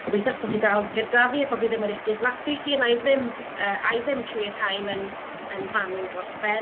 Gobeitho eich bod chi dal gyda fi a bod fi ddim wedi eich diflasu chi. Na'i ddim yy a' i ddim trwy'r rhain yn yn fanwl dros ben,